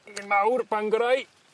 yn un mawr Bangorau